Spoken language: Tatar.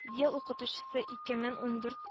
Ел укытучысы- ике мең үндүрт